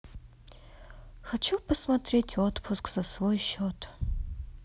хочу посмотреть отпуск за свой счет